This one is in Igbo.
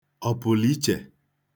ọ̀pụ̀lụ̀ichè